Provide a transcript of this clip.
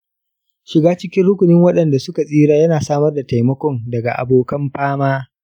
shiga cikin rukunin waɗanda suka tsira ya na samar da taimakon daga abokan-fama.